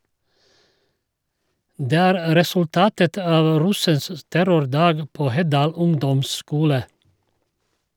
Det er resultatet av russens "terrordag" på Heddal ungdomsskole.